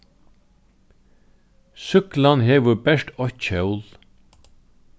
súkklan hevur bert eitt hjól